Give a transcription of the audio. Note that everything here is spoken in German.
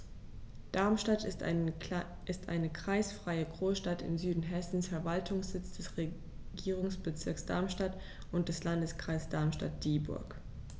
Darmstadt ist eine kreisfreie Großstadt im Süden Hessens, Verwaltungssitz des Regierungsbezirks Darmstadt und des Landkreises Darmstadt-Dieburg.